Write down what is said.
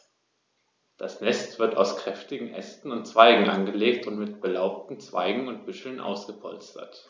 Das Nest wird aus kräftigen Ästen und Zweigen angelegt und mit belaubten Zweigen und Büscheln ausgepolstert.